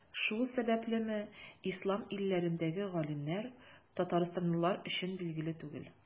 Шул сәбәплеме, Ислам илләрендәге галимнәр Татарстанлылар өчен билгеле түгел.